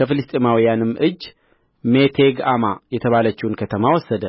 ከፍልስጥኤማውያንም እጅ ሜቴግ አማ የተባለችውን ከተማ ወሰደ